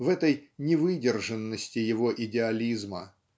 в этой невыдержанности его идеализма.